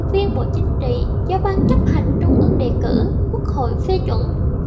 viên bộ chính trị do ban chấp hành trung ương đề cử quốc hội phê chuẩn